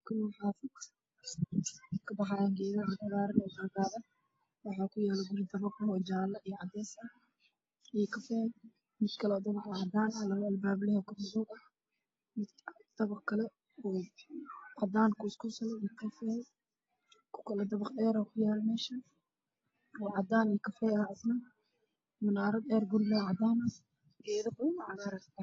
Gurigaan waxaa ka baxaayo geedo cagaar ah waxaa ku yaalo guri dabaq ah oo jaalo iyo cadays ah iyo kafee mid kale oo cadaan ah oo labo albaab leh kor madaw ah dabaq kale cadaan kuus kuus leh iyo kafee ku kale dabaq dheer ku yaalo meeshaan oo cadaan kafee asna manaarad dheer cadaan asna geedo geedo qabaw gaar ah asna